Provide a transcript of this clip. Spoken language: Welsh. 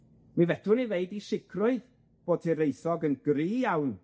Mi fedrwn ni ddeud i sicrwydd bod Hiraethog yn gry iawn